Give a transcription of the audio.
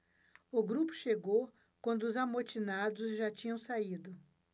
o grupo chegou quando os amotinados já tinham saído